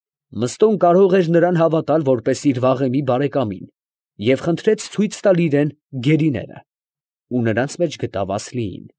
Մըստոն կարող էր նրան հավատալ, որպես իր վաղեմի բարեկամին և խնդրեց ցույց տալ իրան գերիները, և նրանց մեջ գտավ Ասլիին։